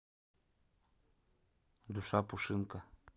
душа пушинка